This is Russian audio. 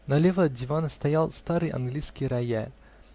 Налево от дивана стоял старый английский рояль